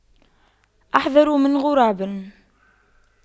أحذر من غراب